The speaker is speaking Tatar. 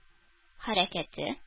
Хәрәкәте